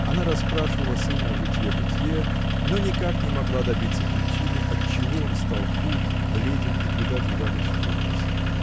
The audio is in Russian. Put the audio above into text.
Она расспрашивала сына о житье-бытье но никак не могла добиться причины отчего он стал худ бледен и куда девались волосы.